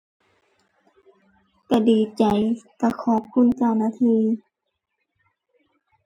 ก็ดีใจ ก็ขอบคุณเจ้าหน้าที่